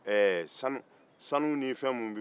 ɛɛ sanu sanu ni fɛn minnu